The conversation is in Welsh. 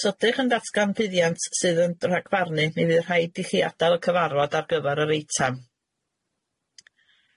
Os ydych yn datgan fyddiant sydd yn rhagfarnu, mi fydd rhaid i chi adael y cyfarfod ar gyfer yr eitam.